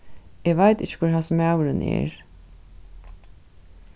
eg veit ikki hvør hasin maðurin er